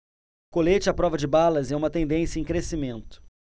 colete à prova de balas é uma tendência em crescimento